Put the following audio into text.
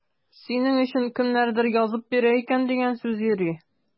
Синең өчен кемнәрдер язып бирә икән дигән сүз йөри.